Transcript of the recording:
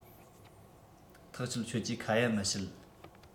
ཐག ཆོད ཁྱོད ཀྱིས ཁ ཡ མི བྱེད